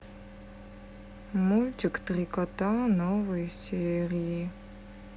мультик три кота новые серии